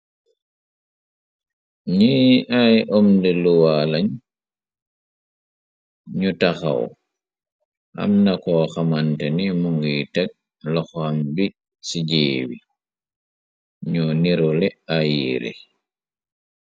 Ñi ay omnde luwaa lañ ñu taxaw amnako xamante ni mungiy teg loxoan bi ci jéewi ñoo nerole ayeere.